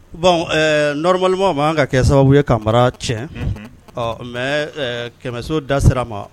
Bon n nɔɔrɔmama ma kan ka kɛ sababu ye kama mara cɛn mɛ kɛmɛso da sira a ma